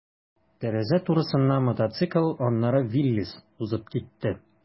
Тәрәзә турысыннан мотоцикл, аннары «Виллис» узып китте.